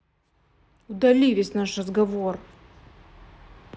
удали весь наш разговор